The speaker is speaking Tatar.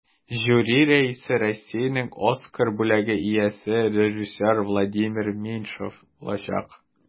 Жюри рәисе Россиянең Оскар бүләге иясе режиссер Владимир Меньшов булачак.